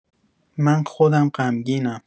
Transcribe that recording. من خودم غمگینم.